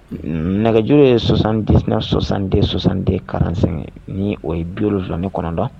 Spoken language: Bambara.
Nɛgɛjuru ye 79 62 62 45 ye .